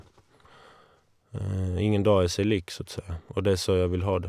Ingen dag er seg lik, så å si, og det er så jeg vil ha det.